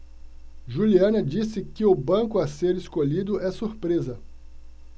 juliana disse que o banco a ser escolhido é surpresa